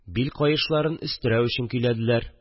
Бил каешларын өстерәү өчен көйләделәр